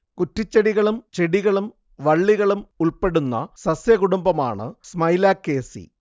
കുറ്റിച്ചെടികളും ചെടികളും വള്ളികളും ഉൾപ്പെടുന്ന സസ്യകുടുംബമാണ് സ്മൈലാക്കേസീ